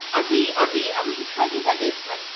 Odi, odi a fi'n credu hefyd, timod...